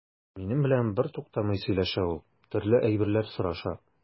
Минем белән бертуктамый сөйләшә ул, төрле әйберләр сораша.